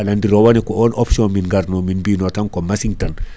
aɗa andi rawane ko on option min garno min bino tan ko machine tan